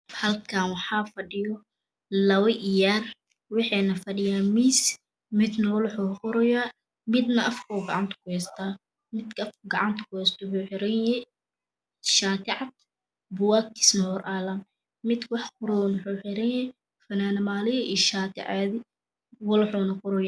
Halkan waxaa fadhiyo laba iyaar waxayna fadhiyaan miis Midna walaxuu qoroyaa midna Afkuu gacanta ku hestaa midka afka gacanta ku heyto wuxuu xiranyahay shaati cad bukag tisana wey hor yalaan midka wax qoroyana wuxuu xiranyaha fananad mariin iyo shati caadi walaxuuna qoroyaa